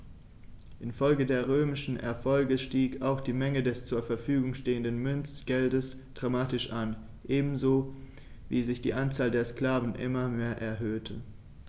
Infolge der römischen Erfolge stieg auch die Menge des zur Verfügung stehenden Münzgeldes dramatisch an, ebenso wie sich die Anzahl der Sklaven immer mehr erhöhte.